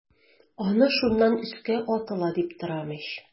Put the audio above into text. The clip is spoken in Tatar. Аны шуннан өскә атыла дип торам ич.